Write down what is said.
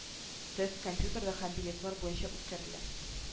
Тест компьютерда һәм билетлар буенча үткәрелә